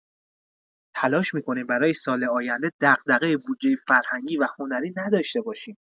تلاش می‌کنیم برای سال آینده دغدغه بودجه فرهنگی و هنری نداشته باشیم.